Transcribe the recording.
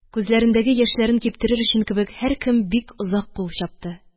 Күзләрендәге яшьләрен киптерер өчен кебек һәркем бик озак кул чапты.